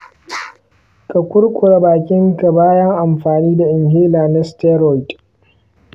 ka kurkure bakin ka bayan amfani da inhaler na steriod.